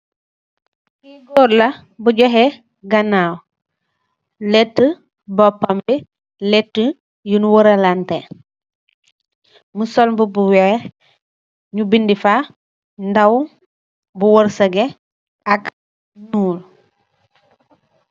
Kii goor la bu johe ganaaw, lete bopam bi, lete yunj warralante, mu sol mbubu bu weex, nyu bindafa, ndaw, bu warsege, ak nyuul